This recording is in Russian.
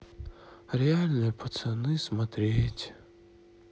реальные пацаны смотреть